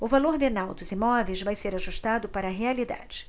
o valor venal dos imóveis vai ser ajustado para a realidade